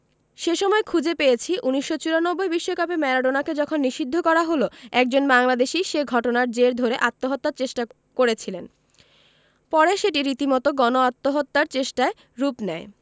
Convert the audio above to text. সে সময় খুঁজে পেয়েছি ১৯৯৪ বিশ্বকাপে ম্যারাডোনাকে যখন নিষিদ্ধ করা হলো একজন বাংলাদেশি সে ঘটনার জের ধরে আত্মহত্যার চেষ্টা করেছিলেন পরে সেটি রীতিমতো গণ আত্মহত্যার চেষ্টায় রূপ নেয়